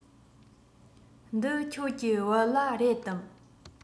འདི ཁྱོད ཀྱི བལ ལྭ རེད དམ